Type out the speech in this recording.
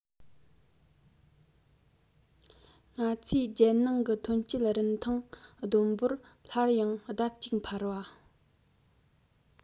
ང ཚོའི རྒྱལ ནང གི ཐོན སྐྱེད རིན ཐང བསྡོམས འབོར སླར ཡང ལྡབ གཅིག འཕར བ